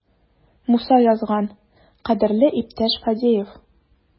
Муса язган: "Кадерле иптәш Фадеев!"